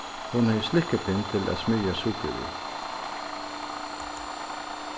hon hevði slikkipinn til at smyrja sukrið við